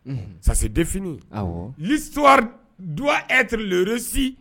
Ça se définit awɔ l'histoire doit être le reçu